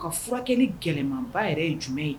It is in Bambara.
Ka furakɛ ni gɛlɛyamanba yɛrɛ ye jumɛn ye